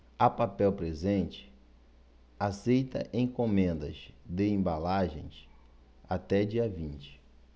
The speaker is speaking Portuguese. a papel presente aceita encomendas de embalagens até dia vinte